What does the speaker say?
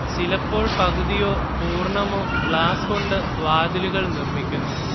ചിലപ്പോൾ പകുതിയോ പൂർണ്ണമോ ഗ്ലാസ് കൊണ്ട് വാതിലുകൽ നിർമ്മിക്കുന്നു